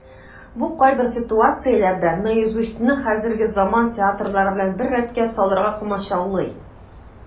Бу кайбер ситуацияләрдә "Наизусть"ны хәзерге заман театрылары белән бер рәткә салырга комачаулый.